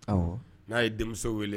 Ɔ n'a ye denmuso wele